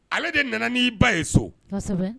Ale de nana ni'i ba ye so